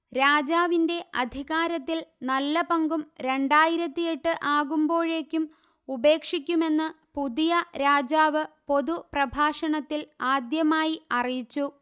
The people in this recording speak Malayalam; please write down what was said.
രാജാവിന്റെ അധികാരത്തിൽ നല്ല പങ്കും രണ്ടായിരത്തിയെട്ട് ആകുമ്പോഴേക്കും ഉപേക്ഷിക്കുമെന്ന്പുതിയ രാജാവ് പൊതു പ്രഭാഷണത്തിൽ ആദ്യമായി അറിയിച്ചു